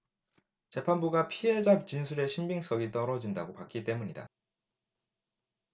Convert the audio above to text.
재판부가 피해자 진술의 신빙성이 떨어진다고 봤기 때문이다